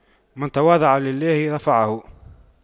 من تواضع لله رفعه